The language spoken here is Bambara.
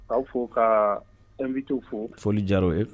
Aw fɔ ka an bɛ to fo foli jara ye